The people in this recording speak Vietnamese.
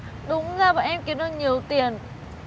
đúng ra bọn em kiếm được nhiều tiền